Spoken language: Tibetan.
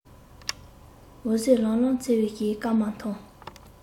འོད ཟེར ལམ ལམ འཚེར བའི སྐར མ མཐོང